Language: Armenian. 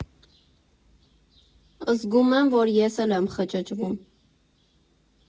Զգում եմ, որ ես էլ եմ խճճվում։